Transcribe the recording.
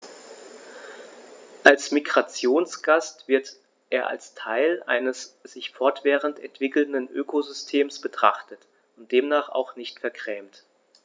Als Migrationsgast wird er als Teil eines sich fortwährend entwickelnden Ökosystems betrachtet und demnach auch nicht vergrämt.